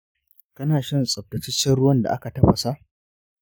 kana shan tsaftataccen ruwan da aka tafasa?